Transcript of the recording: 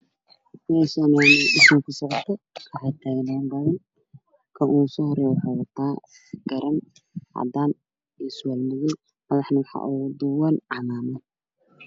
Meshan waa Mel dhismo kusocoto waxaa tagan gaari Kan ugu soo horeeyo wuxu wataa garan cadaan iyo surwaal madow madaxana waxa ugu duban Camaamad